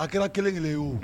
A kɛra kelenkelen ye oo